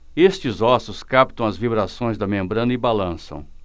estes ossos captam as vibrações da membrana e balançam